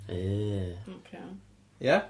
Yy. Oce. Ia?